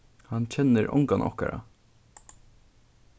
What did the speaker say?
hann kennir ongan okkara